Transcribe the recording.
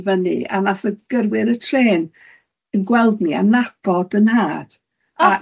i fyny, a nath y gyrwyr y trên yn gweld ni, a'n nabod yn nhad.